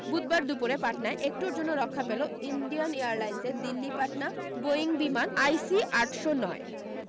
বুধবার দুপুরে পাটনায় একটুর জন্য রক্ষা পেল ইন্ডিয়ান এয়ারলাইন্সের দিল্লী পাটনা বোয়িং বিমান আইসি আটশো নয়